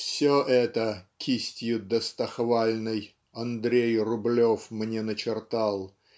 Все это кистью достохвальной Андрей Рублев мне начертал